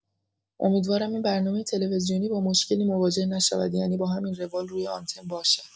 امیدواریم این برنامه تلویزیونی با مشکلی مواجه نشود یعنی با همین روال روی آنتن باشد.